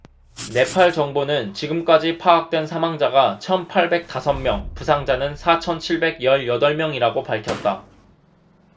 네팔 정부는 지금까지 파악된 사망자가 천 팔백 다섯 명 부상자는 사천 칠백 열 여덟 명이라고 밝혔다